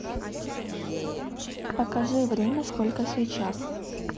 покажи время сколько сейчас